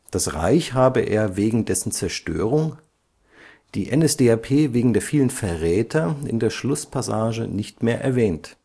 Das Reich habe er wegen dessen Zerstörung, die NSDAP wegen der vielen „ Verräter “in der Schlusspassage nicht mehr erwähnt